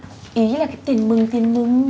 ý là cái tiền mừng tiền mừng